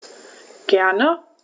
Gerne.